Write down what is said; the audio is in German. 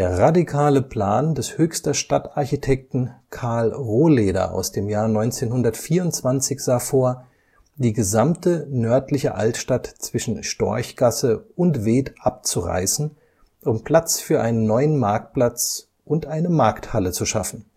radikale Plan des Höchster Stadtarchitekten Carl Rohleder aus dem Jahr 1924 sah vor, die gesamte nördliche Altstadt zwischen Storchgasse und Wed abzureißen, um Platz für einen neuen Marktplatz und eine Markthalle zu schaffen